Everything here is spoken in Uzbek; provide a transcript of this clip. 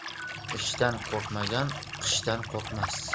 ishdan qo'rqmagan qishdan qo'rqmas